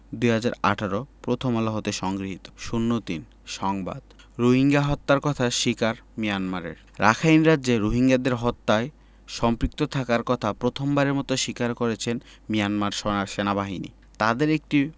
২০১৮ প্রথম আলো হতে সংগৃহীত ০৩ সংবাদ রোহিঙ্গা হত্যার কথা স্বীকার মিয়ানমারের রাখাইন রাজ্যে রোহিঙ্গাদের হত্যায় সম্পৃক্ত থাকার কথা প্রথমবারের মতো স্বীকার করেছে মিয়ানমার সেনাবাহিনী তাদের একটি